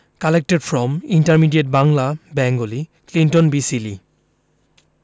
collected from intermediate Bangla Bengali Clinton B Seely